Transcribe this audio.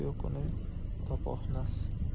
yo'q uni topohnas